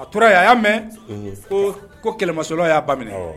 A tora yen a y'a mɛn ko ko kɛlɛmasaso y'a ba